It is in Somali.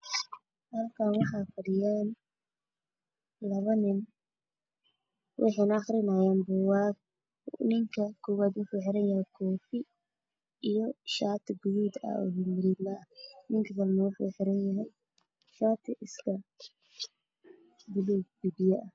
Halkaan waxaa fadhiyo labo nin waxey aqrinayan boogaan ninka koobad waxuu xiranyahay koofi iyo shaati gaduud riig riigmo leh ninka kalane waxuu wadtaa iska baluug biyo biyo ah